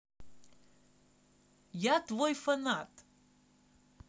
я твой фанат